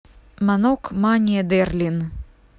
манок мания дерлин